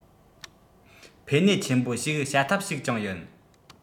ཕན ནུས ཆེན པོ ཞིག བྱ ཐབས ཤིག ཀྱང ཡིན